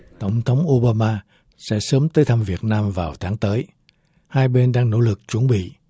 tổng thống ô ba ma sẽ sớm tới thăm việt nam vào tháng tới hai bên đang nỗ lực chuẩn bị